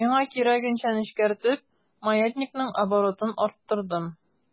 Миңа кирәгенчә нечкәртеп, маятникның оборотын арттырдым.